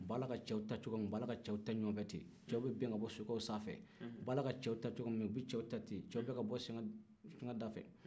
u b'a la ka cɛw ta cogo min u b'a la cɛw ta ten cɛw bɛ bin ka bɔ sokɛw sanfɛ u b'a la ka cɛw ta cogo min u b'a la cɛw ta ten cɛw bɛ bin fɛngɛ dafɛ